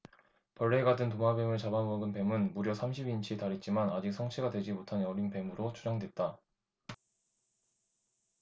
벌레가 든 도마뱀을 잡아 먹은 뱀은 무려 사십 인치에 달했지만 아직 성체가 되지 못한 어린 뱀으로 추정됐다